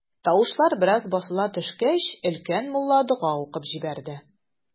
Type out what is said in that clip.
Тавышлар бераз басыла төшкәч, өлкән мулла дога укып җибәрде.